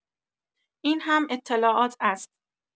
این هم اطلاعات است.